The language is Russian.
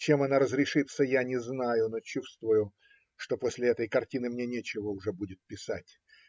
Чем она разрешится, я не знаю, но чувствую, что после этой картины мне нечего уже будет писать.